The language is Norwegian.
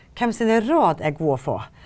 hvem sine råd er gode å få?